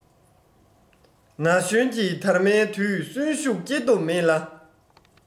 ན གཞོན གྱི དར མའི དུས གསོན ཤུགས སྐྱེ སྟོབས མེད ལ